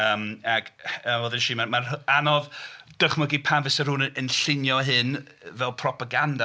yym ac fel ddeudais i ma' mae'n rh- anodd dychmygu pan fyse rhywun yn yn llunio hyn fel propaganda.